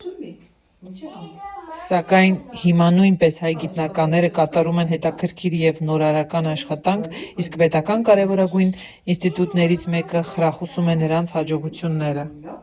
Սակայն հիմա նույնպես հայ գիտնականները կատարում են հետաքրքիր և նորարական աշխատանք, իսկ պետական կարևորագույն ինստիտուտներից մեկը խրախուսում է նրանց հաջողությունները։